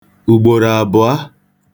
ùgbòròàbụ̀ọ